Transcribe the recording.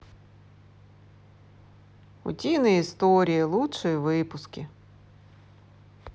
утиные истории лучшие выпуски